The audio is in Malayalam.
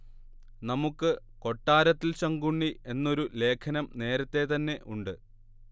നമുക്ക് കൊട്ടാരത്തിൽ ശങ്കുണ്ണി എന്നൊരു ലേഖനം നേരത്തേ തന്നെ ഉണ്ട്